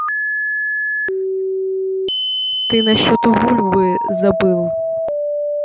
ты насчет вульвы забыл